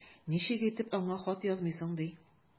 Ничек итеп аңа хат язмыйсың ди!